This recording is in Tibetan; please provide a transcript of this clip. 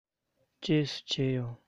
རྗེས སུ མཇལ ཡོང